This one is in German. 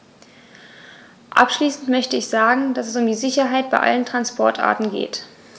Abschließend möchte ich sagen, dass es um die Sicherheit bei allen Transportarten geht.